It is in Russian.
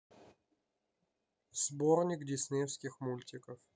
сборник диснеевских мультиков